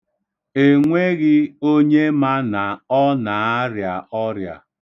E nweghị onye ma na ọ na-arịa ọrịa.